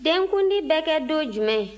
denkundi bɛ kɛ don jumɛn